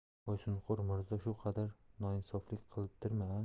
boysunqur mirzo shu qadar noinsoflik qilibdirmi a